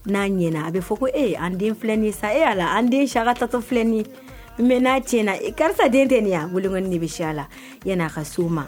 N'a ɲ a bɛ fɔ ko e an denfii sa e' la an den saka taatɔ filɛi mɛ n'a ti na karisa den tɛ nin yan weele kɔni de bɛ si a la yan n'a ka so ma